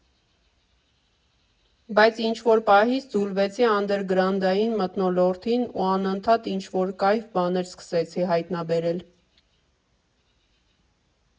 Բայց ինչ֊որ պահից ձուլվեցի անդերգրաունդային մթնոլորտին ու անընդհատ ինչ֊որ կայֆ բաներ սկսեցի հայտնաբերել։